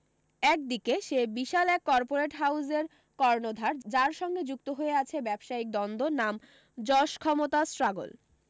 এক দিকে সে বিশাল এক কর্পোরেট হাউযের কর্ণধার যার সঙ্গে যুক্ত হয়ে আছে ব্যাবসায়িক দ্বন্দ্ব নাম যশ ক্ষমতা স্ট্রাগল